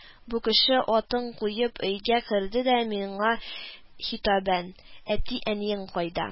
Бу кеше, атын куеп, өйгә керде дә миңа хитабән: "Әти-әниең кайда